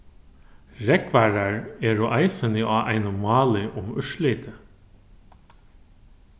rógvarar eru eisini á einum máli um úrslitið